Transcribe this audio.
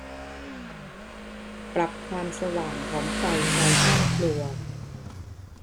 ปรับความสว่างของไฟในห้องครัว